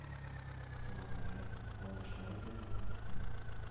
Туганнары, авылдашлары ярдәме белән